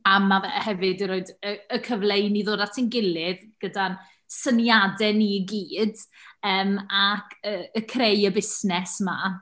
A ma' fe hefyd 'di roif y y cyfle i ni ddod at ein gilydd, gyda'n syniadau ni i gyd, yym, ac yy yy creu y busnes 'ma.